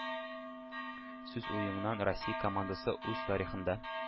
Сүз уңаеннан, Россия командасы үз тарихында